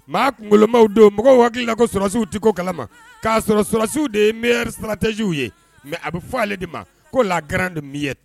Maa kunkologololɔmaw don mɔgɔw waga la ko sɔdasiww diko kalama k'a sɔrɔ sɔdasiww de ye miri sararatɛjsiww ye mɛ a bɛ fɔ ale de ma ko la garan mi ye